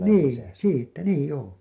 niin siitä niin joo